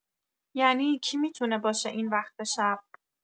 ینی کی می‌تونه باشه این وقت شب؟